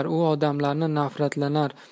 u odamlardan nafratlanar